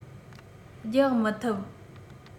རྒྱག མི ཐུབ